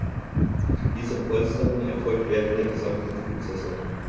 Diese Polsterung erfolgt während der gesamten Brutsaison.